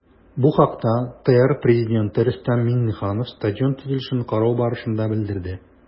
Бу хакта ТР Пррезиденты Рөстәм Миңнеханов стадион төзелешен карау барышында белдерде.